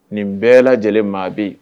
Nin bɛɛ lajɛlen maa bɛ